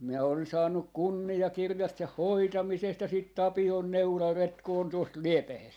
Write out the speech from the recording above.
minä olen saanut kunniakirjat ja hoitamisesta ja sitten Tapion neularetku on tuossa liepeessä